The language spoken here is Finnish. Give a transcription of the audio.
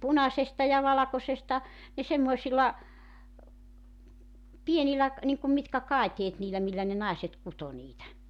punaisesta ja valkoisesta ne semmoisilla pienillä niin kuin mitkä kaiteet niillä millä ne naiset kutoi niitä